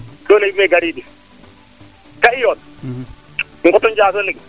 so leyiim me gaaridi ka i yoon ngoto njaso leŋ